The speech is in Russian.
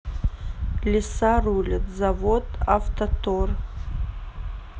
лиса рулит завод автотор